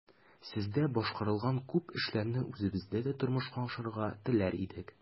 Сездә башкарылган күп эшләрне үзебездә дә тормышка ашырырга теләр идек.